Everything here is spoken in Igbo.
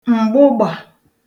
m̀gbụgbà